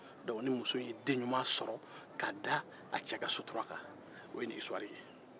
ni muso ye denɲuman sɔrɔ k'a da a cɛ ka sutura kan o ye nin hisituwari in ye